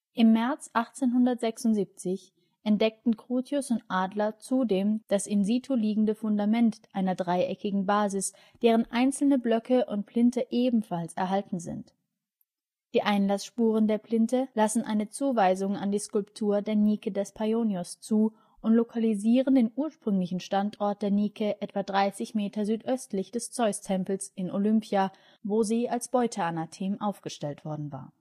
Im März 1876 entdeckten Curtius und Adler zudem das in situ liegende Fundament einer dreieckigen Basis, deren einzelne Blöcke und Plinthe ebenfalls erhalten sind. Die Einlassspuren der Plinthe lassen eine Zuweisung an die Skulptur der Nike des Paionios zu und lokalisieren den ursprünglichen Standort der Nike etwa 30 m südöstlich des Zeustempels in Olympia, wo sie als Beuteanathem aufgestellt worden war